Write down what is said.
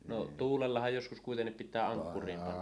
no tuulellahan joskus kuitenkin pitää ankkuriin panna